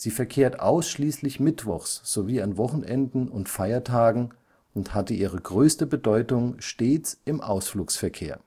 verkehrt ausschließlich mittwochs sowie an Wochenenden und Feiertagen und hatte ihre größte Bedeutung stets im Ausflugsverkehr